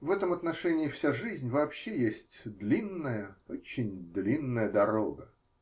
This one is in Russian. В этом отношении вся жизнь вообще есть длинная, очень длинная дорога.